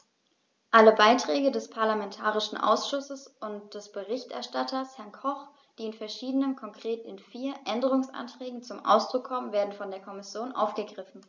Alle Beiträge des parlamentarischen Ausschusses und des Berichterstatters, Herrn Koch, die in verschiedenen, konkret in vier, Änderungsanträgen zum Ausdruck kommen, werden von der Kommission aufgegriffen.